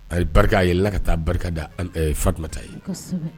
A ye barika a yɛla ka taa barika da an ɛɛ fatuma ta ye. Kosɛbɛ!